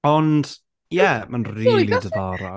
Ond ie, mae'n rili diddorol.